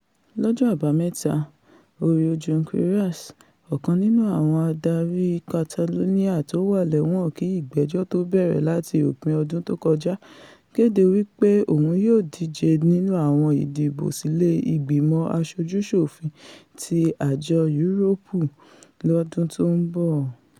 Lọ́jọ́ Àbámẹ́ta, Oriol Junqueras, ọ̀kan nínú àwọn adarí Catalonia tówà lẹ́wọ̀n kí ìgbẹ́jọ́ tó bẹ̀rẹ̀ láti òpin ọdún tó kọjá, kéde wí pé òun yóò díje nínú àwọn ìdìbò sílé Ìgbímọ̀ Aṣojú-ṣòfin ti Àjọ Yúróòpù lọ́dún tó ńbọ̀.